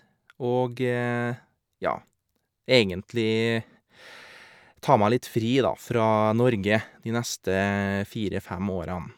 Og, ja, egentlig ta meg litt fri, da, fra Norge, de neste fire fem årene.